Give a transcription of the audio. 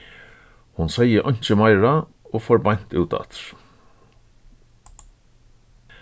hon segði einki meira og fór beint út aftur